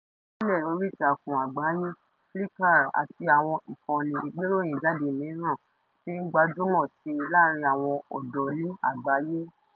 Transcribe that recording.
Àwọn àkọọ́lẹ̀ oríìtakùn àgbáyé, Flickr àti àwọn ìkànnì ìgbéròyìnjáde mìíràn ti ń gbajúmọ̀ síi láàárín àwọn ọ̀dọ́ ní àgbáyé.